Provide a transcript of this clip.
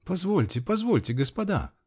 -- Позвольте, позвольте, господа.